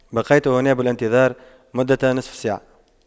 بقيت هنا بالانتظار مدة نصف ساعة